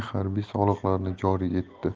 harbiy soliqlarni joriy etdi